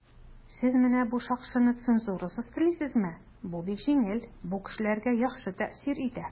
"сез менә бу шакшыны цензурасыз телисезме?" - бу бик җиңел, бу кешеләргә яхшы тәэсир итә.